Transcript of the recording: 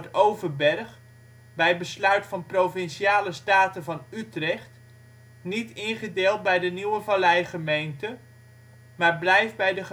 Overberg, bij besluit van Provinciale Staten van Utrecht, niet ingedeeld bij de nieuwe Valleigemeente, maar blijft bij de